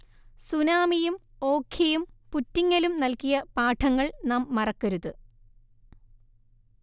സുനാമിയും, ഓഖിയും, പുറ്റിങ്ങലും നൽകിയ പാഠങ്ങൾ നാം മറക്കരുത്